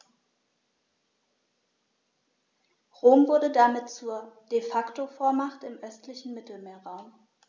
Rom wurde damit zur ‚De-Facto-Vormacht‘ im östlichen Mittelmeerraum.